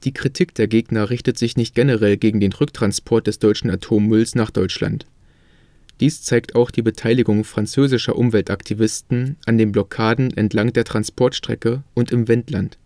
Kritik der Gegner richtet sich nicht generell gegen den Rücktransport des deutschen Atommülls nach Deutschland. Dies zeigt auch die Beteiligung französischer Umweltaktivisten an den Blockaden entlang der Transportstrecke und im Wendland